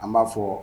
An b'a fɔ